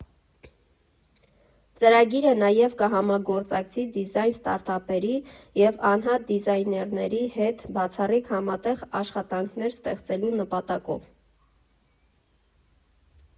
Ծրագիրը նաև կհամագործակցի դիզայն ստարտափերի և անհատ դիզայներների հետ բացառիկ համատեղ աշխատանքներ ստեղծելու նպատակով։